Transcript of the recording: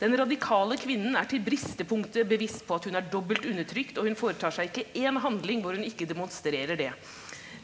den radikale kvinnen er til bristepunktet bevisst på at hun er dobbelt undertrykt, og hun foretar seg ikke én handling hvor hun ikke demonstrerer det.